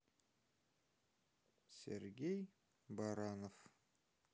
сергей баранов